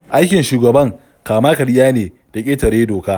Aikin shugaban kama-karya ne da ƙetare doka.